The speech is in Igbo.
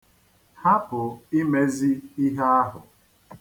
Hapụ imezi ihe ahụ.